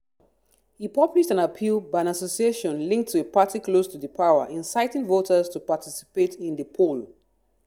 He published an appeal by an association linked to a party close to the power inciting voters to participate in the poll.